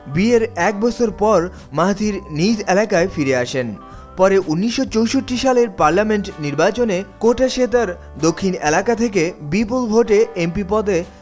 বিয়ের এক বছর পর মাহাথির নিজ এলাকায় ফিরে আসেন পরে ১৯৬৪ সালের পার্লামেন্ট নির্বাচনে কোটাসেতার দক্ষিণ এলাকা থেকে বিপুল ভোটে এমপি পদে